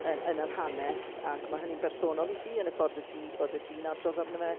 yn yn yr hanes ac ma' hynny'n bersonol i ti yn y ffordd wyt ti oeddet ti'n adrodd arno fe,